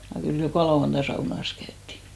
ja kyllä joka lauantai saunassa käytiin